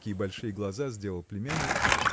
какие большие глаза сделал племянник